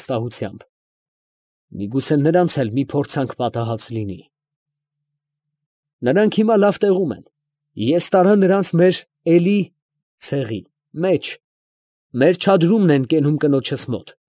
Վստահությամբ, ֊ մի՛ գուցե նրանց էլ մի փորձանք պատահած լինի։ ֊ Նրանք հիմա լավ տեղում են. ես տարա նրանց մեր էլի (ցեղի) մեջ, մեր չադրումն են կենում կնոջս մոտ։